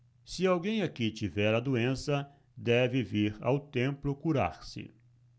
se alguém aqui tiver a doença deve vir ao templo curar-se